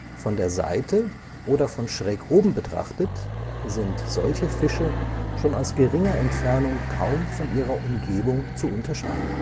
Von der Seite oder von schräg oben betrachtet sind solche Fische schon aus geringer Entfernung kaum von ihrer Umgebung zu unterscheiden